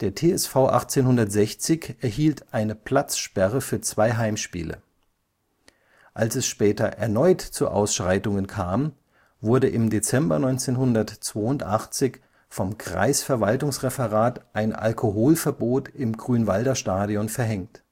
TSV 1860 erhielt eine Platzsperre für zwei Heimspiele. Als es später erneut zu Ausschreitungen kam, wurde im Dezember 1982 vom Kreisverwaltungsreferat ein Alkoholverbot im Grünwalder Stadion verhängt